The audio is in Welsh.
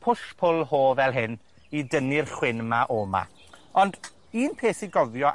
push pull ho fel hyn i dynnu'r chwyn, 'ma o 'ma. Ond un peth i gofio